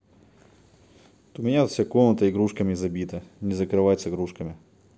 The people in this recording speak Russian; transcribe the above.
у меня тут вся комната игрушками забита на закрывать с игрушками